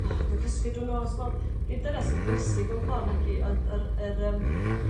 O 'di o'n cysgu drw'r nos wel nid dyna sy'n bwysig mewn ffor naci ond yr yr yym